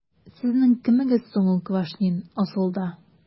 Сезнең кемегез соң ул Квашнин, асылда? ..